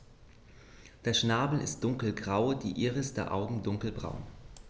Der Schnabel ist dunkelgrau, die Iris der Augen dunkelbraun.